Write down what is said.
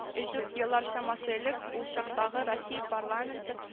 Өч-дүрт еллар чамасы элек, ул чактагы Россия парламенты